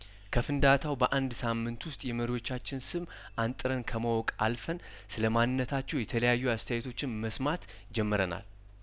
ከፍንዳታው በአንድ ሳምንት ውስጥ የመሪዎቻችን ስም አንጥረን ከማወቅ አልፈን ስለማንነታቸው የተለያዩ አስተያየቶችን መስማት ጀምረናል